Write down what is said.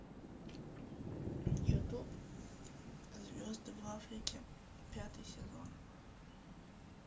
ютуб звезды в африке пятый сезон